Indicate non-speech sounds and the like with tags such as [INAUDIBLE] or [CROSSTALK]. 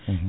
[HESITATION] [HESITATION]